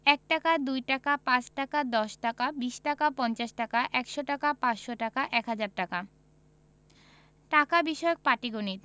১ টাকা ২ টাকা ৫ টাকা ১০ টাকা ২০ টাকা ৫০ টাকা ১০০ টাকা ৫০০ টাকা ১০০০ টাকা টাকা বিষয়ক পাটিগনিতঃ